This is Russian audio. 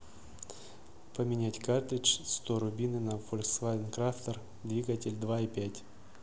поменять картридж сто рубины на volkswagen crafter двигатель два и пять